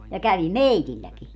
ja kävi meilläkin